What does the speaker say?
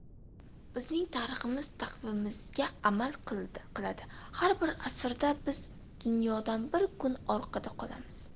bizning tariximiz taqvimimizga amal qiladi har bir asrda biz dunyodan bir kun orqada qolamiz